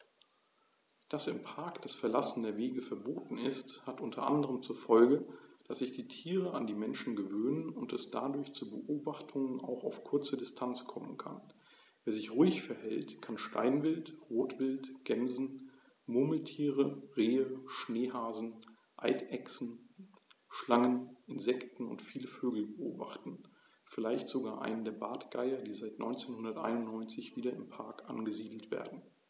Dass im Park das Verlassen der Wege verboten ist, hat unter anderem zur Folge, dass sich die Tiere an die Menschen gewöhnen und es dadurch zu Beobachtungen auch auf kurze Distanz kommen kann. Wer sich ruhig verhält, kann Steinwild, Rotwild, Gämsen, Murmeltiere, Rehe, Schneehasen, Eidechsen, Schlangen, Insekten und viele Vögel beobachten, vielleicht sogar einen der Bartgeier, die seit 1991 wieder im Park angesiedelt werden.